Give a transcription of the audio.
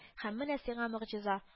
Һәм менә сиңа могҗиза